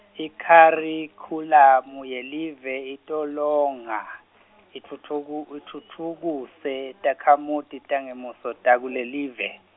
ikharikhulamu yelive itolonga, itfutfuku- itfutfukise, takhamuti tangemuso takulelive.